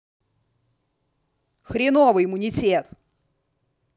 хреновый иммунитет